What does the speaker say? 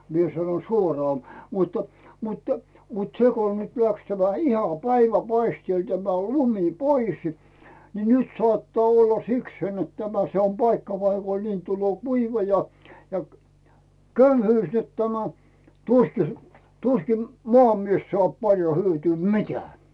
minä sanoin suoraan mutta mutta mutta se kun nyt lähti tämä ihan päivänpaisteella tämä lumi pois niin nyt saattaa olla sikseen että tämä se on paikka paikoin niin tulee kuiva ja ja köyhyys että tämä tuskin tuskin maamies saa paljon hyötyä mitään